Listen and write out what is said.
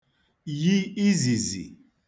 yi izìzì